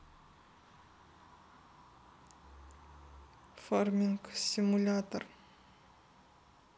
фарминг симулятор